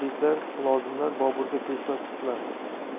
beklar mulozimlar boburga peshvoz chiqdilar